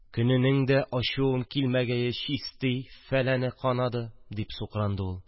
– көненең дә... ачуым килмәгәе, чистый... канады, – дип сукранды ул